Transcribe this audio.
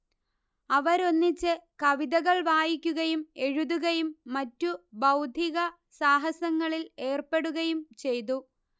അവരൊന്നിച്ച് കവിതകൾ വായിക്കുകയും എഴുതുകയും മറ്റു ബൗദ്ധിക സാഹസങ്ങളിൽ ഏർപ്പെടുകയും ചെയ്തു